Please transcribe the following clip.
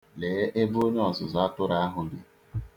Lee ebe onye ọzụzụ atụrụ ahu bi.